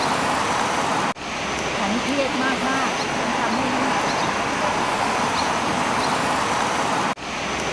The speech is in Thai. ฉันเครียดมากมากจนทำให้น้ำหนักฉันลดลง